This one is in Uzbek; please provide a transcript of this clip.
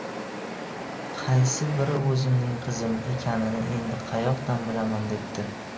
qaysi biri o'zimning qizim ekanini endi qayoqdan bilaman debdi